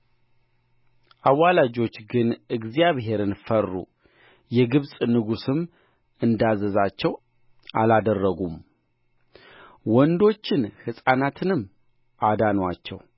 አዋላጆች ግን እግዚአብሔርን ፈሩ የግብፅ ንጉሥም እንዳዘዛቸው አላደረጉም ወንዶቹን ሕፃናትንም አዳኑአቸው